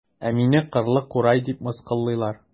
Ә мине кырлы курай дип мыскыллыйлар.